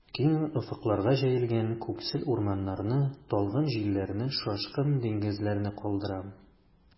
Киң офыкларга җәелгән күксел урманнарны, талгын җилләрне, шашкын диңгезләрне калдырам.